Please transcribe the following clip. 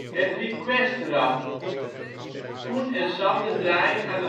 Het Request-rad (Coen en Sander draaien aan